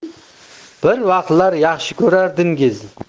bir vaqtlar yaxshi ko'rardingiz